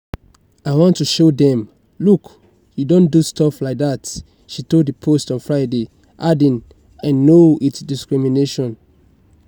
"I want to show them, look, you don't do stuff like that," she told the Post on Friday, adding "I know it's discrimination."